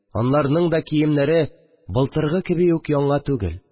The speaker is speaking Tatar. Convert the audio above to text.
Анларның да киемнәре былтыргы кеби үк яңа түгел